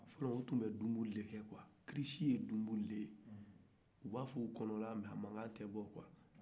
fɔlɔ u tun bɛ dumuli de kɛ quoi kirisi ye dumuli de ye o b'a fɔ o kɔnɔ nga a mankan de bɔ quoi